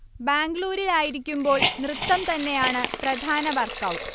ബാംഗ്ലൂരിലായിരിക്കുമ്ബോൾ നൃത്തംതന്നെയാണ് പ്രധാന work out